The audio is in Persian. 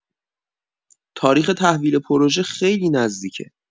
تاریخ تحویل پروژه خیلی نزدیکه